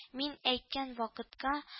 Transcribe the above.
Мин әйткән вакытка